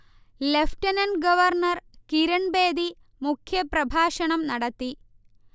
lieutenant governor Kiran Bedi മുഖ്യ പ്രഭാഷണം നടത്തി